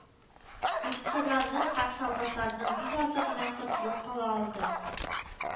Офицерларның һәм солдатларның бик азы гына котылып кала алды